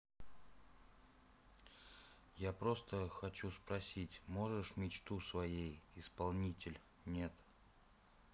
я просто хочу спросить можешь мечту своей исполнитель нет